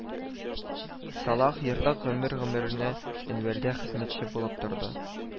Салах Ертык гомер-гомеренә Әнвәрдә хезмәтче булып торды